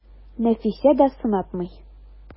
Нәфисә дә сынатмый.